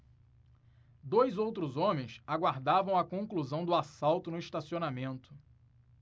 dois outros homens aguardavam a conclusão do assalto no estacionamento